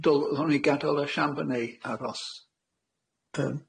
Yy dylwn i gadal y shamber ne' aros?